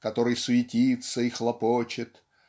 который суетится и хлопочет